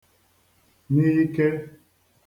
n'ike